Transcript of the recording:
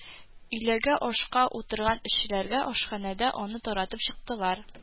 Өйләгә ашка утырган эшчеләргә ашханәдә аны таратып чыктылар